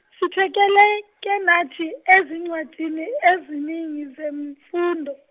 sithekele ke nathi ezincwadini eziningi zemfundo.